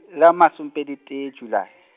la masomepedi tee Julae.